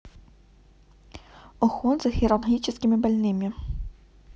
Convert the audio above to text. уход за хирургическими больными